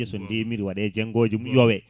so ndeemiri waɗe jeggoje mum yoowe